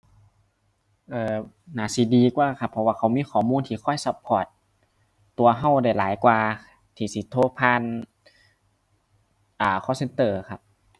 เอ่อ น่าสิดีกว่าครับ เพราะว่าเขามีข้อมูลที่คอยซัปพอร์ตตัวเราได้หลายกว่าที่สิโทรผ่าน อ่า call center ครับ